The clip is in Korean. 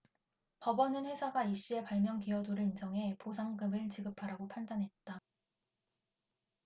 법원은 회사가 이씨의 발명 기여도를 인정해 보상금을 지급하라고 판단했다